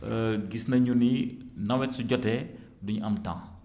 gis nañu ni nawet su jotee du ñu am temps